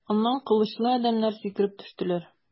Аннан кылычлы адәмнәр сикереп төштеләр.